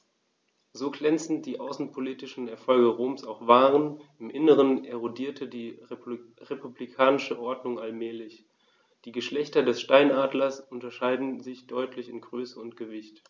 So glänzend die außenpolitischen Erfolge Roms auch waren: Im Inneren erodierte die republikanische Ordnung allmählich. Die Geschlechter des Steinadlers unterscheiden sich deutlich in Größe und Gewicht.